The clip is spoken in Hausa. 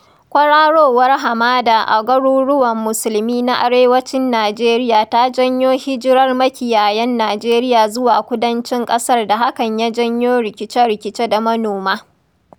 Kwararowar hamada a garuruwan Musulmi na arewacin Nijeriya ta janyo hijirar makiyayan Nijeriya zuwa kudancin ƙasar da hakan ya janyo rikice-rikice da manoma,